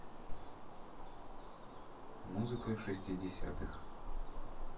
музыка шестидесятых